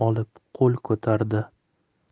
olib qo'l ko'tardi